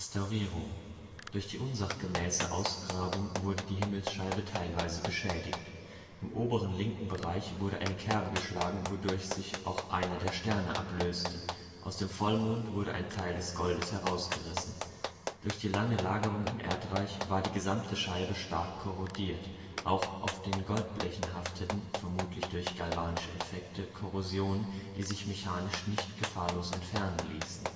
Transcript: die unsachgemäße Ausgrabung wurde die Himmelsscheibe teilweise beschädigt. Im oberen linken Bereich wurde eine Kerbe geschlagen, wodurch sich auch einer der Sterne ablöste, aus dem Vollmond wurde ein Teil des Goldes herausgerissen. Durch die lange Lagerung im Erdreich war die gesamte Scheibe stark korrodiert, auch auf den Goldblechen hafteten – vermutlich durch galvanische Effekte – Korrosionen, die sich mechanisch nicht gefahrlos entfernen ließen